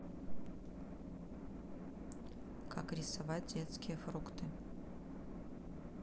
как рисовать детские фрукты